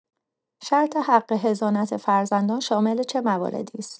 شرط حق حضانت فرزندان شامل چه مواردی است؟